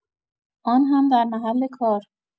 آن هم در محل کار!